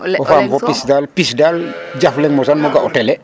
o faam fo pis daal jaf leŋ mosaan mo ga' no télé.